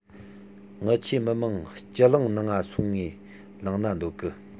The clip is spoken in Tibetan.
ངི ཆོས མི དམངས སྤྱི གླིང ནང ང སོང ངས བླངས ན འདོད གི